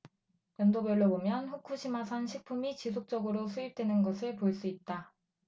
연도별로 보면 후쿠시마산 식품이 지속적으로 수입되는 것을 볼 수 있다